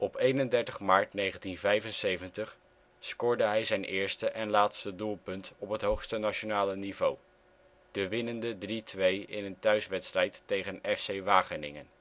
31 maart 1975 scoorde hij zijn eerste en laatste doelpunt op het hoogste nationale niveau; de winnende 3-2 in een thuiswedstrijd tegen FC Wageningen